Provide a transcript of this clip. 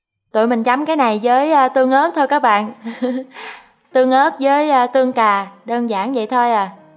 tụi mình chấm cái này với tương ớt thôi các bạn tương ớt với tương cà đơn giản vậy thôi à